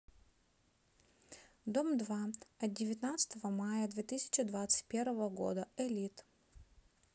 дом два от девятнадцатого мая две тысячи двадцать первого года элит